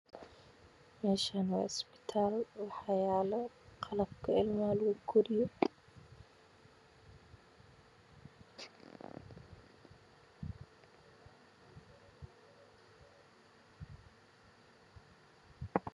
Meeshaan waa isbitaal waxaa yaalo qalabka ilmaha lagu gudo